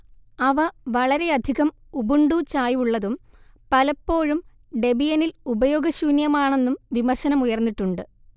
അവ വളരെയധികം ഉബുണ്ടു ചായ്വുള്ളതും പലപ്പോഴും ഡെബിയനിൽ ഉപയോഗശൂന്യമാണെന്നും വിമർശനമുയർന്നിട്ടുണ്ട്